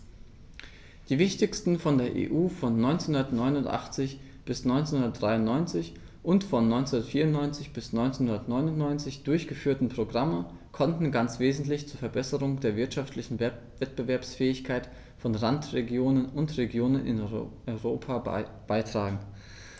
Die wichtigsten von der EU von 1989 bis 1993 und von 1994 bis 1999 durchgeführten Programme konnten ganz wesentlich zur Verbesserung der wirtschaftlichen Wettbewerbsfähigkeit von Randregionen und Regionen in Europa beitragen.